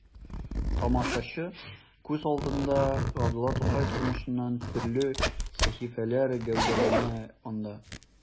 Тамашачы күз алдында Габдулла Тукай тормышыннан төрле сәхифәләр гәүдәләнә анда.